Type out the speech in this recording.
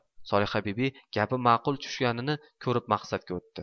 solihabibi gapi ma'qul tushganini ko'rib maqsadga o'tdi